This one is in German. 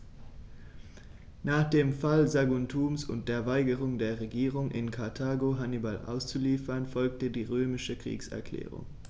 Nach dem Fall Saguntums und der Weigerung der Regierung in Karthago, Hannibal auszuliefern, folgte die römische Kriegserklärung.